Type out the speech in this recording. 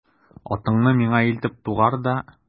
Атыңны миңа илтеп тугар да...